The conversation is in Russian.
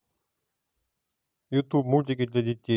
ютуб мультики для детей